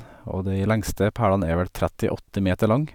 Og de lengste pælene er vel trettiåtte meter lang.